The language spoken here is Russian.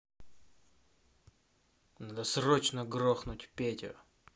надо срочно грохнуть петю